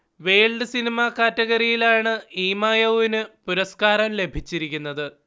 world cinema കാറ്റഗറിയിലാണ് ഈമയൗവിന് പുരസ്കാരം ലഭിച്ചിരിക്കുന്നത്